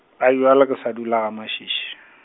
-a bjalo ke sa dula gaMašhiši.